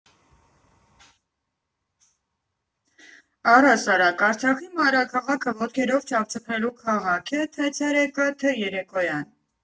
Առհասարակ, Արցախի մայրաքաղաքը ոտքերով չափչփելու քաղաք է թե՛ ցերեկը, թե՛ երեկոյան։